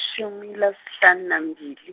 shumi lasihlanu nambili.